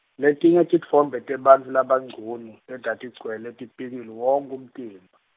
letinye titfombe tebantfu labangcunu, letatigcwele tipikili wonkhe umtimba.